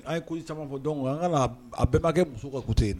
A ye ko caman fɔ dɔn an ka a bɛɛbakɛ muso ka ku ye